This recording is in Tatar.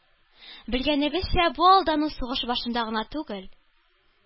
Белгәнебезчә, бу алдану сугыш башында гына түгел,